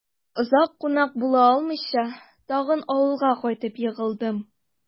Озак кунак була алмыйча, тагын авылга кайтып егылдым...